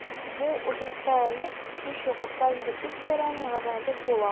Бу очракта әле, һич югы, Сталин репрессияләрен ләгънәтләп була...